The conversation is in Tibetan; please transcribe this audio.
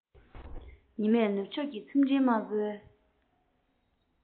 ཉི མས ནུབ ཕྱོགས ཀྱི མཚམས སྤྲིན དམར པོའི